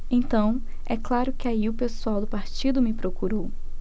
então é claro que aí o pessoal do partido me procurou